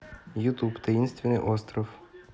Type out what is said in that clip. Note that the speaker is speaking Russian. ютуб таинственный остров